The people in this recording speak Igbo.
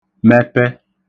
mẹpẹ